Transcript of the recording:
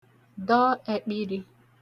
dọ ẹ̄kpị̄rị̄